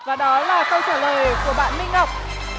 và đó là câu trả lời của bạn minh ngọc